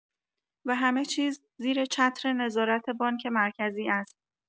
و همه چیز زیر چتر نظارت بانک مرکزی است.